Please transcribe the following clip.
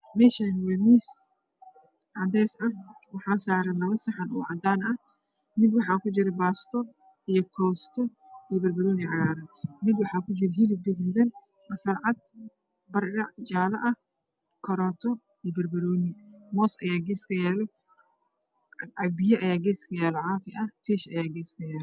Meeshani waa miis caday ah waxaa saaran labo saxan cadaan ah mid waxaa kujiro baasto koosto iyo barbarooni cagaran midna waxaa kujiro hilib gududan qasaac cad baradho jaalo corooto iyo bar bararooni moos ayaa geeska yaalo caag biyo ah ayaa geeaka yaalo caafi ah Trish ayaa geeska yaaalo